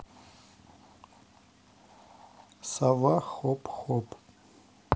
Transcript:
сова хоп хоп